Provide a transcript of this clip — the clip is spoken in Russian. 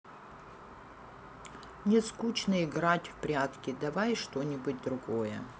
мне скучно играть в прятки давай что нибудь другое